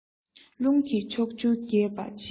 རླུང གིས ཕྱོགས བཅུར རྒྱས པར བྱེད